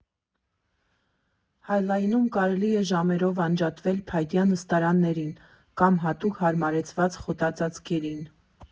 Հայ Լայնում կարելի է ժամերով անջատվել փայտյա նստարաններին կամ հատուկ հարմարեցված խոտածածկերին։